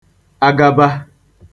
Agaba